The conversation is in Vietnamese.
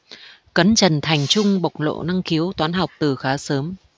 cấn trần thành trung bộc lộ năng khiếu toán học từ khá sớm